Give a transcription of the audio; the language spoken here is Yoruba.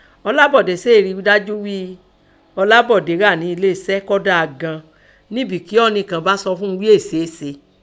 Ọlábọ̀dé sèè rí dájú ghí i Ọlábọ̀dé hà nẹ ẹlé eṣẹ́ kọ́ dáa gan an, nígbi kí ọnì kàn bá sọ ún ọ ghí é è ṣeé ṣe.